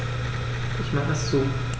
Ich mache es zu.